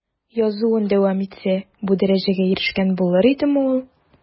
Язуын дәвам итсә, бу дәрәҗәгә ирешкән булыр идеме ул?